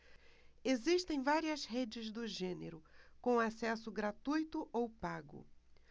existem várias redes do gênero com acesso gratuito ou pago